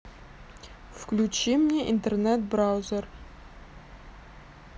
включи мне интернет браузер